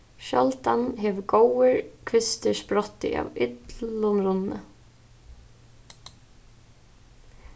sjáldan hevur góður kvistur sprottið av illum runni